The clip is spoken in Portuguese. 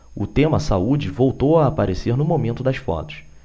o tema saúde voltou a aparecer no momento das fotos